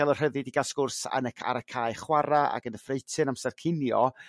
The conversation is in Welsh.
ga'l y rhyddid i ga'l sgwrs yn yrr ar y cae chwara' ac yn y ffreutur amser cinio